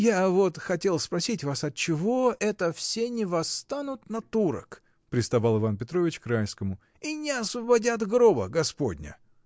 — Я вот хотел спросить вас, отчего это все не восстанут на турок, — приставал Иван Петрович к Райскому, — и не освободят Гроба Господня?